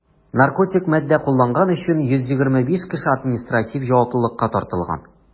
Наркотик матдә кулланган өчен 125 кеше административ җаваплылыкка тартылган.